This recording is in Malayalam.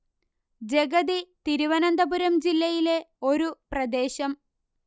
ജഗതി തിരുവനന്തപുരം ജില്ലയിലെ ഒരു പ്രദേശം